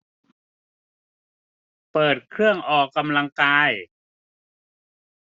เปิดเครื่องออกกำลังกาย